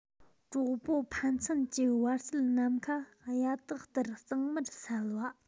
གྲོགས པོ ཕན ཚུན གྱི བར སེལ ནམ མཁའ གཡའ དག ལྟར གཙང མར བསལ བ